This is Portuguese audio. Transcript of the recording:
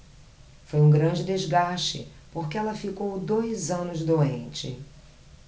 foi um grande desgaste porque ela ficou dois anos doente